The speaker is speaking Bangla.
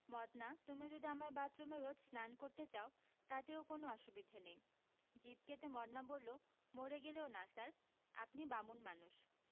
মদনা তুমি যদি আমার বাথরুমে রোজ স্নান করতে চাও তাতেও কোন অসুবিধে নেই জিভ কেটে মদনা বললো মরে গেলেও না স্যার আপনি বামুন মানুষ